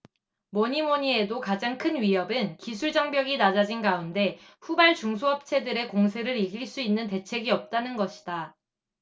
뭐니뭐니해도 가장 큰 위협은 기술장벽이 낮아진 가운데 후발 중소업체들의 공세를 이길 수 있는 대책이 없다는 것이다